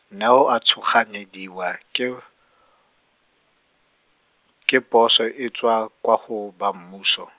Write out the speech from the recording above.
Neo a tshoganyediwa ke, ke poso e tswa, kwa go, ba mmuso.